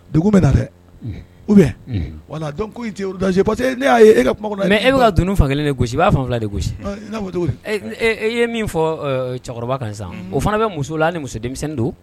Degun bɛ na dɛ, un, ou bien , un, voilà donc ko in tɛ rodage ye parce que ne y'a ye e ka kuma kɔnɔna, mais e bɛ ka dunun fan 1 de gosi, i b'a fan 2 de gosi. Ɛ i n'a fɔ cɔgɔ di? E e i ye min fɔ ɔɔ cɛkɔrɔba kan sisan, unhun, o fana bɛ muso la , hali ni muso denmisɛnnin don